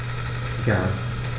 Gern.